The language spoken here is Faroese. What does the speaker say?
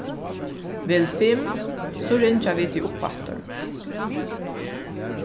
vel fimm so ringja vit teg uppaftur